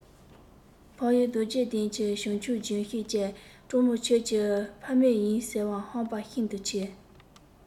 འཕགས ཡུལ རྡོ རྗེ གདན གྱི བྱང ཆུབ ལྗོན ཤིང བཅས སྤྲང མོ ཁྱོད ཀྱི ཕ མེས ཡིན ཟེར བ ཧམ པ ཤིན ཏུ ཆེ